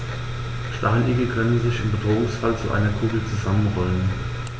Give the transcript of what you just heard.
Stacheligel können sich im Bedrohungsfall zu einer Kugel zusammenrollen.